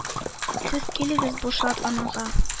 Сез килегез бу шат анага,